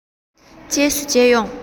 རྗེས སུ མཇལ ཡོང